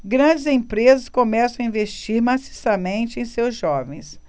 grandes empresas começam a investir maciçamente em seus jovens